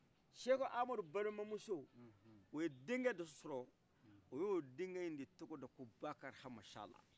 seku amadu balima muso o ye den kɛ dɔ sɔrɔ u y'o den kɛyi de tɔgɔda ko bakary amadu sala